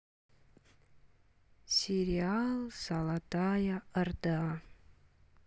сериал золотая орда